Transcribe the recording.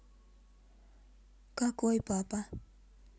какой папа